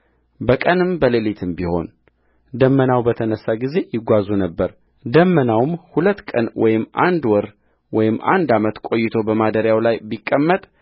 በቀንም በሌሊትም ቢሆን ደመናው በተነሣ ጊዜ ይጓዙ ነበርደመናውም ሁለት ቀን ወይም አንድ ወር ወይም አንድ ዓመት ቆይቶ በማደሪያው ላይ ቢቀመጥ